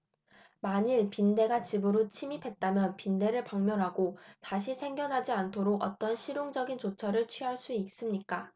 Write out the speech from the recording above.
만일 빈대가 집으로 침입했다면 빈대를 박멸하고 다시 생겨나지 않도록 어떤 실용적인 조처를 취할 수 있습니까